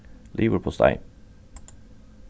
livurpostei